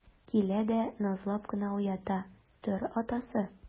Килә дә назлап кына уята: - Тор, атасы!